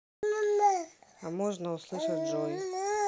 а можно услышать джой